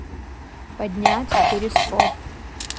поднять перископ